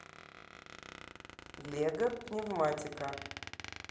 лего пневматика